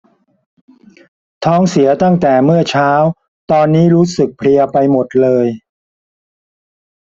ท้องเสียตั้งแต่เมื่อเช้าตอนนี้รู้สึกเพลียไปหมดเลย